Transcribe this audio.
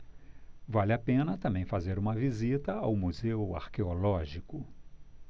vale a pena também fazer uma visita ao museu arqueológico